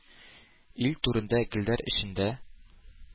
Ил түрендә, гөлләр эчендә